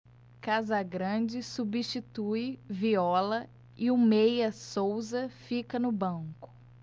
casagrande substitui viola e o meia souza fica no banco